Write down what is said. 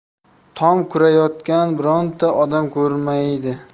tom kurayotgan bironta odam ko'rinmaydi